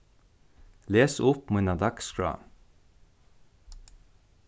les upp mína dagsskrá